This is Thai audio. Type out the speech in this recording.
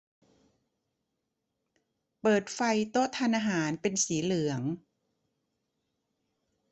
เปิดไฟโต๊ะทานอาหารเป็นสีเหลือง